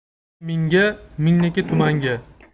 birniki mingga mingniki tumanga